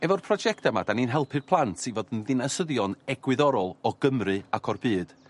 Efo'r project yma 'dan ni'n helpu'r plant i fod yn ddinasyddion egwyddorol o Gymru ac o'r byd.